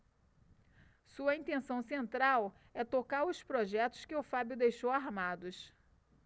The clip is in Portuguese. sua intenção central é tocar os projetos que o fábio deixou armados